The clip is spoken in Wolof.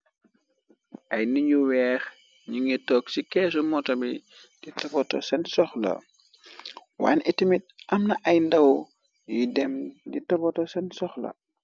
Ay niñu weex ñi ngi tog ci keesu moto bi di tobato seen soxla waan itimit amna ay ndaw yiy dém di tobato seen soxla.